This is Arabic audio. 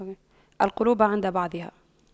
القلوب عند بعضها